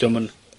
,,,'di o'm yn...